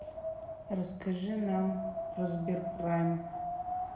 расскажи нам про сберпрайм